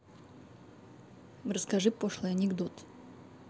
расскажи пошлый анекдот